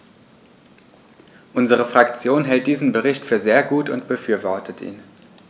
Unsere Fraktion hält diesen Bericht für sehr gut und befürwortet ihn.